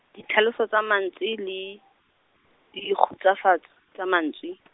ditlhaloso tsa mantswe le , dikgutsufatso tsa mantswe .